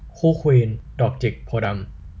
คู่ควีนดอกจิกโพธิ์ดำ